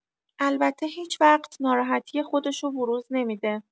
البته هیچوقت ناراحتی خودشو بروز نمی‌ده.